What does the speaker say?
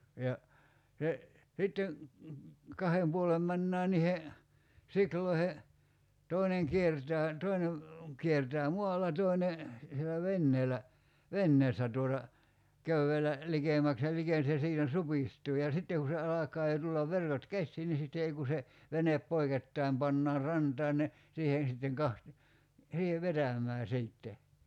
ja se sitten kahden puolen mennään niihn siuloihin toinen kiertää toinen kiertää maalla toinen siellä veneellä venneestä tuota köydellä likemmäksi ja l se siinä supistuu ja sitten kun se alkaa jo tulla verkot käsiin niin sitten ei kun se venep poikittain pannaan rantaan ne siihen sitten - siihen vetämään sitten